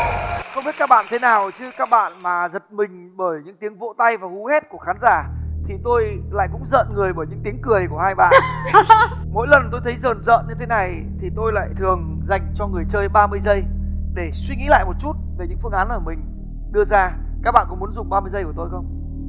không biết các bạn thế nào chứ các bạn mà giật mình bởi những tiếng vỗ tay và hú hét của khán giả thì tôi lại cũng rợn người bởi những tiếng cười của hai bạn mỗi lần tôi thấy rờn rợn như thế này thì tôi lại thường dành cho người chơi ba mươi giây để suy nghĩ lại một chút về những phương án mà mình đưa ra các bạn có muốn dùng ba mươi giây của tôi không